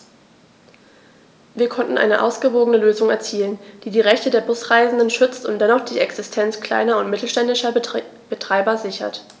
Wir konnten eine ausgewogene Lösung erzielen, die die Rechte der Busreisenden schützt und dennoch die Existenz kleiner und mittelständischer Betreiber sichert.